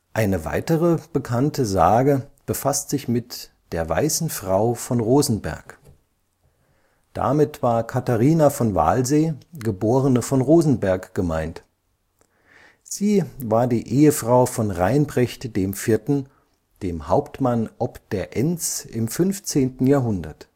Eine weitere bekannte Sage befasst sich mit „ der weißen Frau von Rosenberg “. Damit war Katharina von Walsee, geb. von Rosenberg gemeint. Sie war die Ehefrau von Reinprecht IV., dem Hauptmann ob der Enns im 15. Jahrhundert